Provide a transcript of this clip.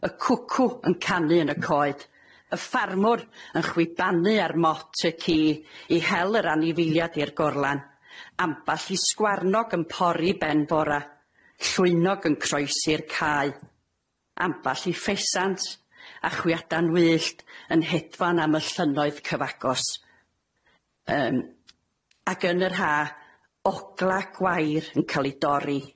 y cwcw yn canu yn y coed y ffarmwr yn chwibanu ar mot y ci i hel yr anifeiliad i'r gorlan amball i sgwarnog yn porri ben bora llwynog yn croesi'r cae amball i ffesant a chwiada'n wyllt yn hedfan am y llynnoedd cyfagos yym ag yn yr ha ogla gwair yn ca'l i dorri.